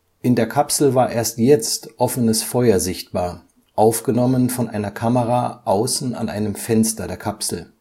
In der Kapsel war erst jetzt offenes Feuer sichtbar, aufgenommen von einer Kamera außen an einem Fenster der Kapsel